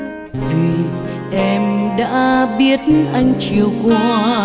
em đã biết anh chiều quangười